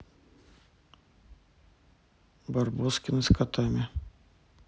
барбоскины с котами